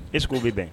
I k bɛ bɛn